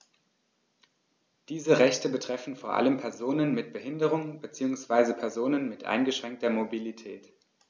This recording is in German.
Diese Rechte betreffen vor allem Personen mit Behinderung beziehungsweise Personen mit eingeschränkter Mobilität.